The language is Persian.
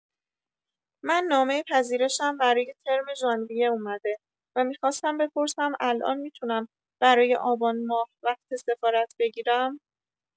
من نامه پذیرشم برای ترم ژانویه اومده و می‌خواستم بپرسم الان می‌تونم برای آبان‌ماه وقت سفارت بگیرم؟